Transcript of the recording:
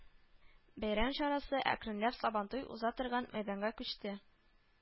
Бәйрәм чарасы әкренләп сабантуй уза торган мәйданга күчте